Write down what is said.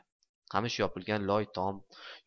qamish yopilgan loy tom